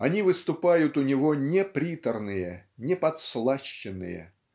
Они выступают у него не приторные, не подслащенные